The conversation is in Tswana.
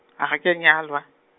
a ga ke a nyalwa.